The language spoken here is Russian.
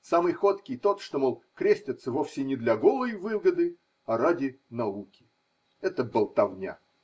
Самый ходкий тот, что, мол, крестятся вовсе не для голой выгоды, а ради науки. Это болтовня.